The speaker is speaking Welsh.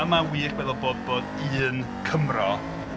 Mae'n wych meddwl bod... bod un Cymro.